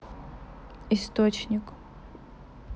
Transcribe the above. источник